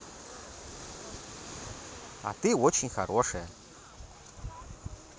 а ты очень хорошая